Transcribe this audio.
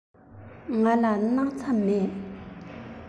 ང ལ སྣག ཚ མེད